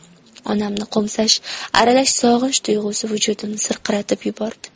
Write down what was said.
onamni qo'msash aralash sog'inch tuyg'usi vujudimni sirqiratib yubordi